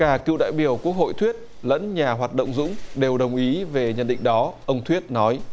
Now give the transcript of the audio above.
cả cựu đại biểu quốc hội thuyết lẫn nhà hoạt động dũng đều đồng ý về nhận định đó ông thuyết nói